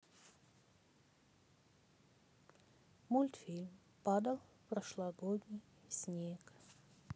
мультфильм падал прошлогодний снег